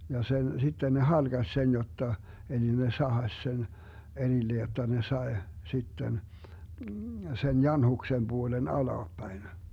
ja sen sitten ne halkaisi sen jotta eli ne sahasi sen erille jotta ne sai sitten sen janhuksen puolen alaspäin